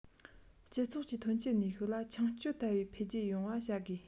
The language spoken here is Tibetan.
སྤྱི ཚོགས ཀྱི ཐོན སྐྱེད ནུས ཤུགས ལ མཆོང སྐྱོད ལྟ བུའི འཕེལ རྒྱས ཡོང བ བྱ དགོས